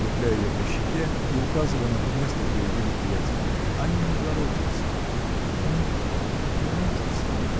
трепля ее по щеке и указывая на то место где удили приятели – они не воротятся. – Не. воротятся!